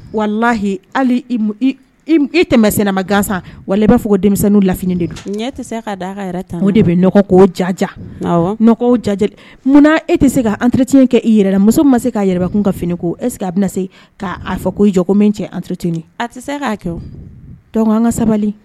Walahi hali i tɛmɛ senma gan san wala ale b'a fɔ' denmisɛnnin latini de don tɛ ka da yɛrɛ ta o de bɛɔgɔ ko jaja ja munna e tɛ se' antoc kɛ i yɛrɛ muso ma se k ka yɛrɛbakun ka fini ko e que a bɛna se k' aa fɔ ko i jɔ min cɛ antotini a tɛ se k ka kɛ an ka sabali